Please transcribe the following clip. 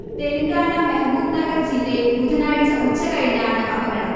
Telangana Mahbubnagar ജില്ലയിൽ ബുധനാഴ്ച ഉച്ചകഴിഞ്ഞാണ് അപകടം